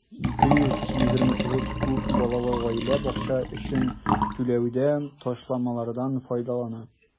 229 күп балалы гаилә бакча өчен түләүдә ташламалардан файдалана.